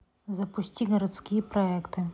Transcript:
запусти городские проекты